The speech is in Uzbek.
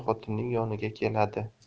xotinning yoniga keladi